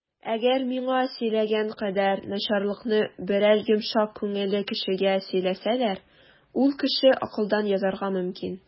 Әгәр миңа сөйләгән кадәр начарлыкны берәр йомшак күңелле кешегә сөйләсәләр, ул кеше акылдан язарга мөмкин.